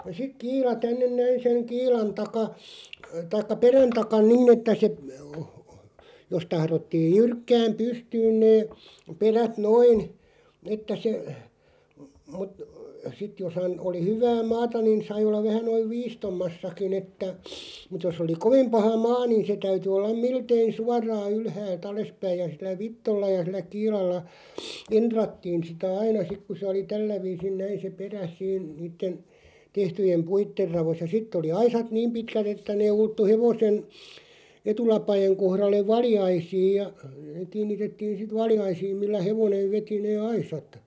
sitten kiila tänne näin sen kiilan taa tai perän takana niin että se jos tahdottiin jyrkkään pystyyn ne perät noin että se mutta sitten jos hän oli hyvää maata niin sai olla vähän noin viistommassakin että mutta jos oli kovin paha maa niin se täytyi olla miltei suoraan ylhäältä alaspäin ja sillä vitsoilla ja sillä kiilalla entrattiin sitä aina sitten kun se oli tällä viisin näin se perä siinä niiden tehtyjen puiden raossa ja sitten oli aisat niin pitkät että ne ulottui hevosen etulapojen kohdalle valjaisiin ja kiinnitettiin sitten valjaisiin millä hevonen veti ne aisat